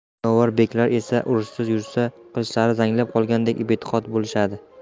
jangovar beklar esa urushsiz yursa qilichlari zanglab qoladigandek betoqat bo'lishadi